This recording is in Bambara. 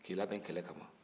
k'i labɛn kɛlɛ kama